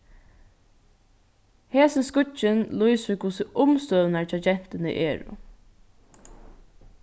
hesin skuggin lýsir hvussu umstøðurnar hjá gentuni eru